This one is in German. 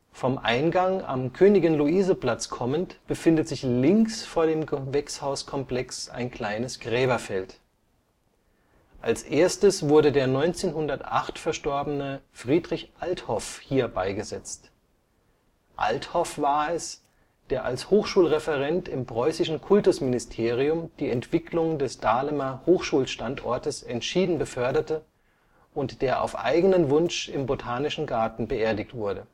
Vom Eingang am Königin-Luise-Platz kommend befindet sich links vor dem Gewächshauskomplex ein kleines Gräberfeld. Als erstes wurde der 1908 verstorbene Friedrich Althoff hier beigesetzt. Althoff war es, der als Hochschulreferent im Preußischen Kultusministerium die Entwicklung des Dahlemer Hochschulstandortes entschieden beförderte und der auf eigenen Wunsch im Botanischen Garten beerdigt wurde